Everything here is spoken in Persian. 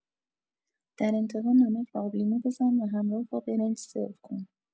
در انتها نمک و آبلیمو بزن و همراه با برنج سرو کن.